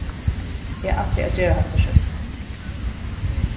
eg ætli at gera hatta skjótt